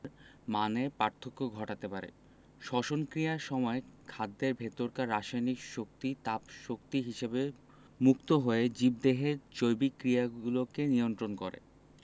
মানে পার্থক্য ঘটাতে পারে শ্বসন ক্রিয়ার সময় খাদ্যের ভেতরকার রাসায়নিক শক্তি তাপ শক্তি হিসেবে মুক্ত হয়ে জীবদেহের জৈবিক ক্রিয়াগুলোকে নিয়ন্ত্রন করে